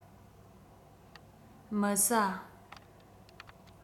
མི ཟ